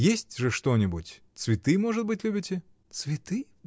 Есть же что-нибудь: цветы, может быть, любите. — Цветы?